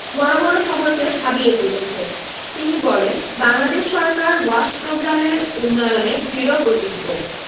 বড় বড় শহরকে ভাবিয়ে তুলেছে তিনি বলেন বাংলাদেশ সরকার ওয়াশ প্রোগ্রামের উন্নয়নে দৃঢ়প্রতিজ্ঞ